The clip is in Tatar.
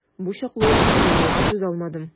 Бу чаклы ук мыскыллауга түзалмадым.